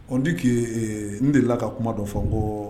Di n dela ka kuma dɔ fɔ n ko